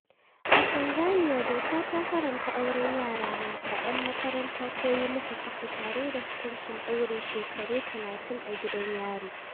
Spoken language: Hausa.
A Tanzaniya doka ta haramta auren yara mata 'yan makaranta ko yi musu ciki tare da hukuncin ɗaurin shekaru talatin a gidan yari.